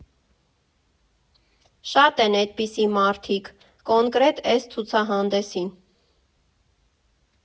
Շատ են էդպիսի մարդիկ, կոնկրետ էս ցուցահանդեսին։